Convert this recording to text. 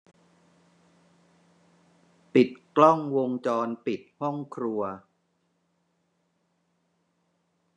ปิดกล้องวงจรปิดห้องครัว